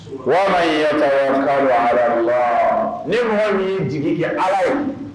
I ye tɔgɔ ka don ala ni mɔgɔ y'i jigi kɛ ala ye